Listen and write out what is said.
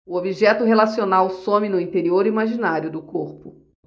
o objeto relacional some no interior imaginário do corpo